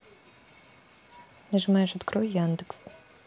нажимаешь открой яндекс